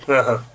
ahan